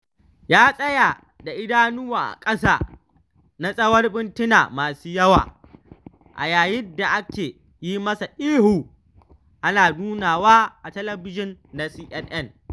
Ya tsaya da idanuwa a ƙasa na tsawon mintina masu yawa a yayin da ake yi masa ihu, ana nunawa a talabijin na CNN.